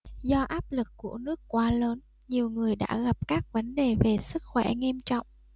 do áp lực của nước quá lớn nhiều người đã gặp các vấn đề về sức khỏe nghiêm trọng